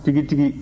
tigitigi